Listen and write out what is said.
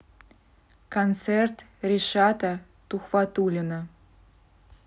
концерт ришата тухватуллина